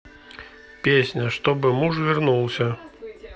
песня чтобы муж вернулся